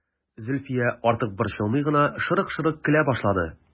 Зөлфия, артык борчылмый гына, шырык-шырык көлә башлады.